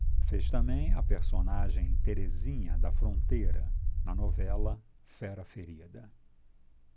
fez também a personagem terezinha da fronteira na novela fera ferida